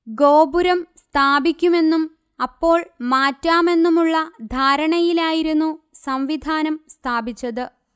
ഗോപുരം സ്ഥാപിക്കുമെന്നും അപ്പോൾ മാറ്റാമെന്നുമുള്ള ധാരണയിലായിരുന്നു സംവിധാനം സ്ഥാപിച്ചത്